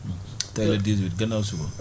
tey le 18 gannaaw suba